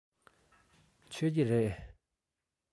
མཆོད ཀྱི རེད